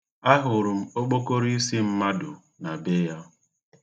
Ahụrụ m okpokoroisi mmadụ na be ya.